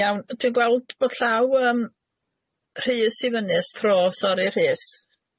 Iawn dwi'n gweld bo' llaw yym Rhys i fyny ers tro sori Rhys.